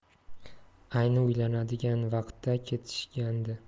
ayni uylanadigan vaqtda ketishgandi